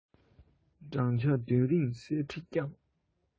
བགྲང བྱ བདུན རིང གསེར ཁྲི བསྐྱངས